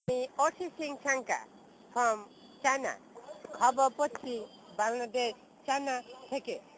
me Orchi Ching Changa from China খবর পড়ছি Bangladesh China থেকে